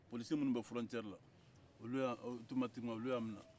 polisiw minnu bɛ dancɛla otomatikeman olu y'an minɛ